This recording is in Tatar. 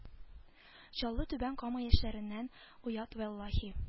Чаллы түбән кама яшьләреннән оят валлаһи